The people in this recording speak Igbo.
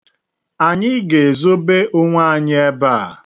Anyị ga-ezobe onwe anyị ebe a.